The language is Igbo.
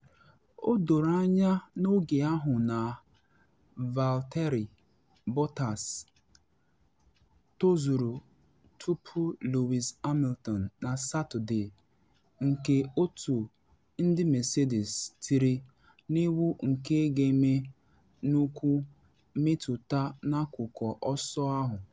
O doro anya n’oge ahụ na Valtteri Bottas tozuru tupu Lewis Hamilton na Satọde nke otu ndị Mercedes tiri n’iwu nke ga-eme nnukwu mmetụta n’akụkụ ọsọ ahụ.